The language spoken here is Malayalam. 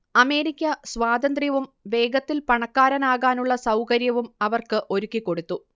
അമേരിക്ക സ്വാതന്ത്ര്യവും വേഗത്തിൽ പണക്കാരനാകാനുള്ള സൗകര്യവും അവർക്ക് ഒരുക്കിക്കൊടുത്തു